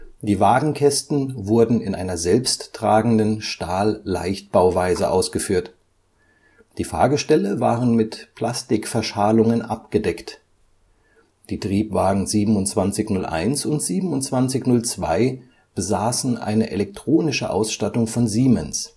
Die Wagenkästen wurden in einer selbsttragenden Stahlleichtbauweise ausgeführt. Die Fahrgestelle waren mit Plastikverschalungen abgedeckt. Die Triebwagen 2701 und 2702 besaßen eine elektronische Ausstattung von Siemens